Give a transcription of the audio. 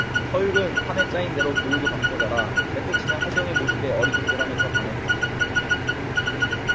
서율은 판에 짜인 대로 교육을 받고 자라 배트 치는 하경의 모습에 어리둥절 하면서 반했죠